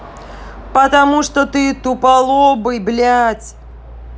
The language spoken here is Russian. потому что ты туполобый блядь